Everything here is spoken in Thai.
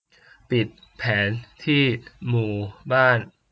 ปิดแผนที่หมู่บ้าน